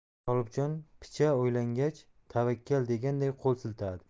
tolibjon picha o'ylangach tavakkal deganday qo'l siltadi